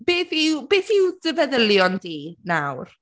Beth yw beth yw dy feddylion di nawr?